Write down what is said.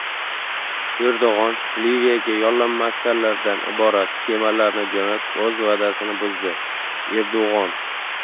erdo'g'on liviyaga yollanma askarlardan iborat kemalarni jo'natib o'z va'dasini buzdi erdo'g'on